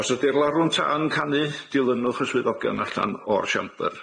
Os ydi'r larwm tan yn canu dilynwch y swyddogion allan o'r siambr.